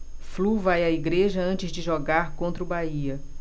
flu vai à igreja antes de jogar contra o bahia